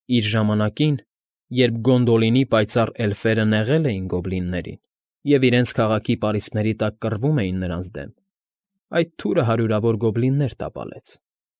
Իր ժամանակին, երբ Գոնդոլինի պայծառ էլֆերը նեղել էին գոբլիններին և իրենց քաղաքի պարիսպների տակ կռվում էին նրանց դեմ, այդ թուրը հարյուրավոր գոբլիններ տապալեց։